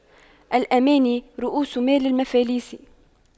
الأماني رءوس مال المفاليس